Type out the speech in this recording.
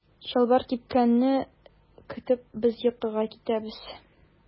Чалбар кипкәнне көтеп без йокыга китәбез.